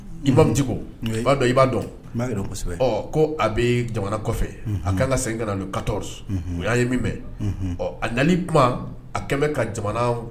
Imam Dicko oui n b'a dɔn i b'a dɔn n b'a dɔn kosɛbɛ ɔɔ ko a bee jamana kɔfɛ unhun a kaan ka segin kana le 14 unhun o an ye min mɛ unhun ɔ a nali kuma a kɛmbɛ ka jamana